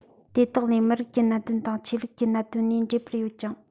དེ དག ལས མི རིགས ཀྱི གནད དོན དང ཆོས ལུགས ཀྱི གནད དོན གཉིས འདྲེས པར ཡོད ཀྱང